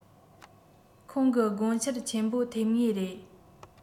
ཁོང གི དགོངས འཆར ཆེན པོ ཐེབས ངེས རེད